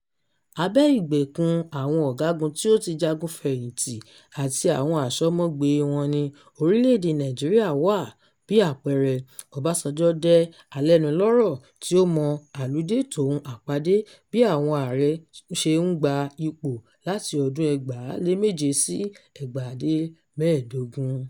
Abẹ ìgbèkùn àwọn ọ̀gágun tí ó ti jagun fẹ̀yìntì àti àwọn asọ́mogbée wọn ni orílẹ̀-èdè Nàìjíríà wà. Bí àpẹẹrẹ, Ọbásanjọ́ jẹ́ alẹ́nulọ́rọ̀ tí ó mọ àludé tòun àpadé bí àwọn Ààrẹ ṣe ń gba ipò láti ọdún 2007 sí 2015.